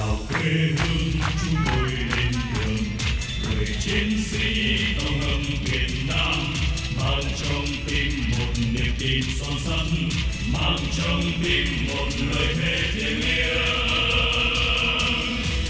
chào quê hương chúng tôi lên đường người chiến sĩ độc lập việt nam mang trong tim một niềm tin son sắt mang trong tim một lời thề thiêng liêng